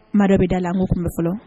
Maa dɔ bɛ da la an b'o fɔlɔ filɛ.